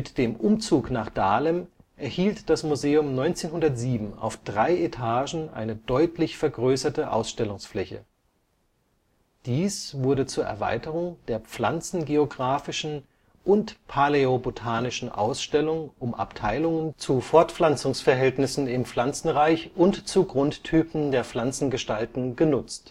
dem Umzug nach Dahlem erhielt das Museum 1907 auf drei Etagen eine deutlich vergrößerte Ausstellungsfläche. Dies wurde zur Erweiterung der pflanzengeografischen und paläobotanischen Ausstellung um Abteilungen zu Fortpflanzungsverhältnisse im Pflanzenreich und zu Grundtypen der Pflanzengestalten genutzt